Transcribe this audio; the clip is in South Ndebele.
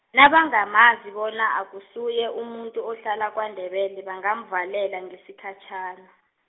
nabangamazi bona, akusuye umuntu ohlala kwaNdebele, bangamvalela ngesikhatjhana.